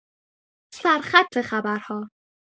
سرخط خبرها